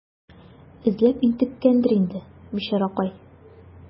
Эзләп интеккәндер инде, бичаракай.